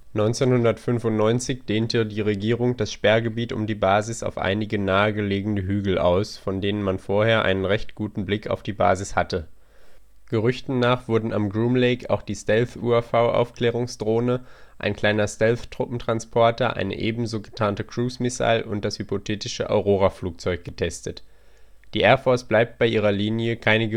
1995 dehnte die Regierung das Sperrgebiet um die Basis auf einige nahe Hügel aus, von denen man vorher einen recht guten Blick auf die Basis hatte. Gerüchten nach wurden am Groom Lake auch die Stealth-UAV-Aufklärungsdrone, ein kleiner Stealth-Truppentransporter, eine ebenso getarnte Cruise-Missile und das hypothetische Aurora-Flugzeug getestet. Die Air Force bleibt bei ihrer Linie, keine